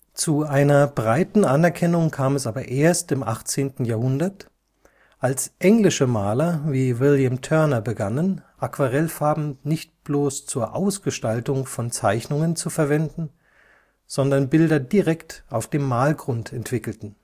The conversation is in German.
Zu einer breiten Anerkennung kam es aber erst im 18. Jahrhundert, als englische Maler wie William Turner begannen, Aquarellfarben nicht bloß zur Ausgestaltung von Zeichnungen zu verwenden, sondern Bilder direkt auf dem Malgrund entwickelten